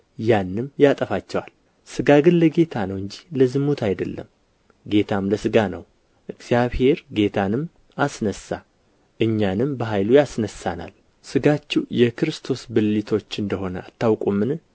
ያንም ያጠፋቸዋል ሥጋ ግን ለጌታ ነው እንጂ ለዝሙት አይደለም ጌታም ለሥጋ ነው እግዚአብሔርም ጌታንም አስነሣ እኛንም በኃይሉ ያስነሣናል ሥጋችሁ የክርስቶስ ብልቶች እንደ ሆነ አታውቁምን